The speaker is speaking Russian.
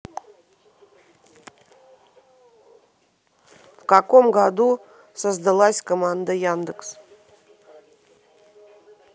в каком году создалась команда яндекс